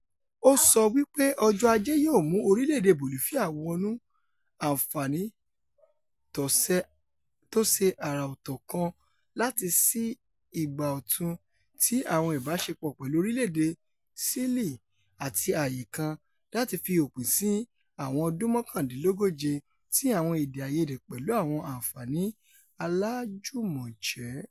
O sowí pé Ọjọ́ Ajé yóò mu orílẹ̀-èdè Bolifia wọnú ''ànfààní tóṣe àrà-ọ̀tọ̀ kan láti sí ìgbà ọ̀tun ti àwọn ìbáṣepọ̀ pẹ̀lú orílẹ̀-èdè Ṣílì̀'' àti ààyè kan láti ''fi òpin sí àwọn ọdún mọ́kàndínlógóje ti àwọn èdé-àìyedè pẹ̀lú àwọn àǹfààní aláàjùmọ̀je”̣̣.